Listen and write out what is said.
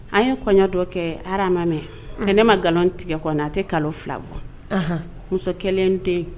An ye kɔɲɔ dɔ kɛ ha mɛ ne ma nkalon tigɛ a tɛ kalo fila bɔ muso kelen den